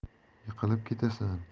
yiqilib ketasan